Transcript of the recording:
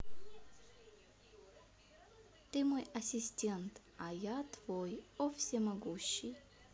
ты мой ассистент а я твой о всемогущий